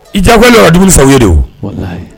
I diyagoyalen don ka dumuni san u ye de o, walahi